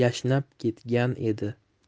yashnab ketgan edi